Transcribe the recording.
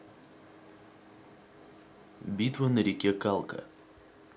битва на реке калка